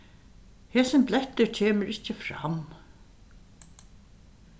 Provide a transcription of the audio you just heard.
hesin blettur kemur ikki fram